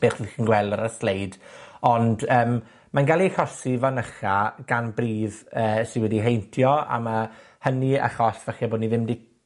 beth 'ych chi'n gweld ar y sleid, ond yym, mae'n gael ei achosi fanycha gan bridd yy sy wedi heintio, a ma' hynny achos, falle, bo' ni ddim 'di